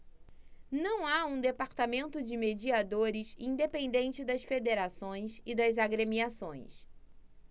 não há um departamento de mediadores independente das federações e das agremiações